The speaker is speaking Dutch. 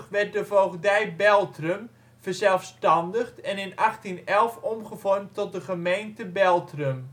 werd de voogdij Beltrum verzelfstandigd en in 1811 omgevormd tot de gemeente Beltrum